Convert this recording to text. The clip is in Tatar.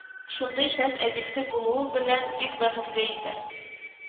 Шундый шәп әбисе булуы белән бик бәхетле иде